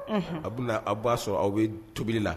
A bɛ aw b'a sɔrɔ aw bɛ tobili la